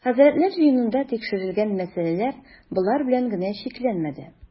Хәзрәтләр җыенында тикшерел-гән мәсьәләләр болар белән генә чикләнмәде.